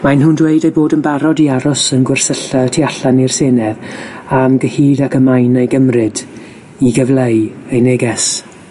Mae nhw'n dweud eu bod yn barod i aros yn gwersylla y tu allan i'r Senedd am gyhyd ac y mae'n ei gymryd i gyfle i eu neges.